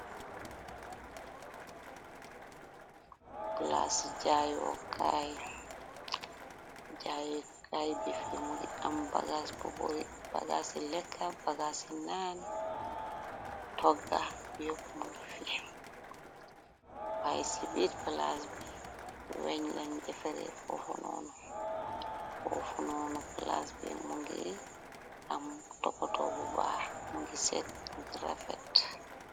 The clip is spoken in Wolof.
Plasi jayo kay, bi fi mongi am bagas bu bori, baga si lekka, baga ci nan, togga bo mongi fi, pay si bit plas bi weñland je fere fonono, fofonono plas bi mongi am topkotobu bax, mongi set, mongi rafet.